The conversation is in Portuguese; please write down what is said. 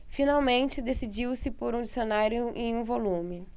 finalmente decidiu-se por um dicionário em um volume